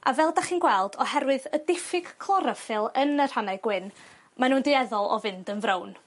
A fel 'dach chi'n gweld oherwydd y diffyg chlorophylle yn y rhannau gwyn ma' nw'n dueddol o fynd yn frown.